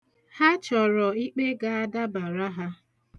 Ha chọrọ ikpe ga-adabara ha.